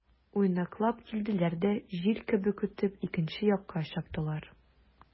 Уйнаклап килделәр дә, җил кебек үтеп, икенче якка чаптылар.